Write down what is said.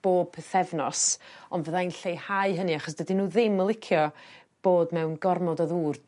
bob pethefnos ond fyddai'n lleihau hynny achos dydyn n'w ddim yn licio bod mewn gormod o ddŵr